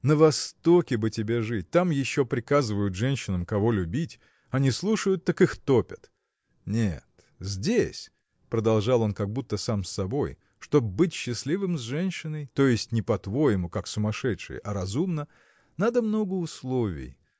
На Востоке бы тебе жить: там еще приказывают женщинам, кого любить а не слушают, так их топят. Нет здесь – продолжал он как будто сам с собой – чтоб быть счастливым с женщиной то есть не по-твоему как сумасшедшие а разумно – надо много условий.